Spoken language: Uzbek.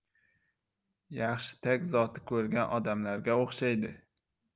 yaxshi tag zoti ko'rgan odamlarga o'xshaydi